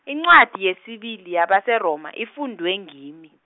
incwadi yesibili yabaseRoma, ifundwe ngimi.